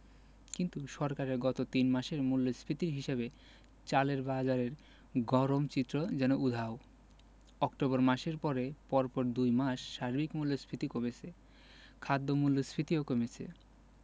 কিন্তু সরকারের গত তিন মাসের মূল্যস্ফীতির হিসাবে চালের বাজারের গরম চিত্র যেন উধাও অক্টোবর মাসের পরে পরপর দুই মাস সার্বিক মূল্যস্ফীতি কমেছে খাদ্য মূল্যস্ফীতিও কমেছে